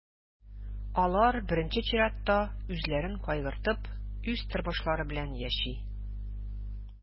Алар, беренче чиратта, үзләрен кайгыртып, үз тормышлары белән яши.